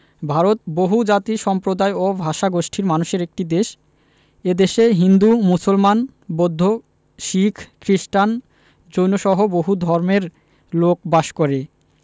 ভারত বহুজাতি সম্প্রদায় ও ভাষাগোষ্ঠীর মানুষের একটি দেশ এ দেশে হিন্দু মুসলমান বৌদ্ধ শিখ খ্রিস্টান জৈনসহ বহু ধর্মের লোক বাস করে